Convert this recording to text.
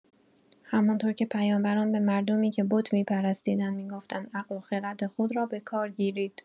همانطور که پیامبران به مردمی که بت می‌پرستیدند می‌گفتند عقل و خرد خودرا بکار گیرید.